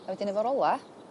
A wedyn efo'r ola